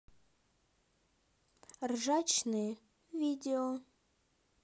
ржачные видео